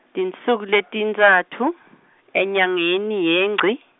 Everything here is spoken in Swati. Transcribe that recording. tinsuku letintsatfu, enyangeni yeNgci.